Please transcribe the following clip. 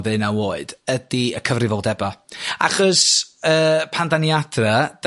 ddeunaw oed ydi y cyfrifoldeba' achos yy pan 'da ni adra 'da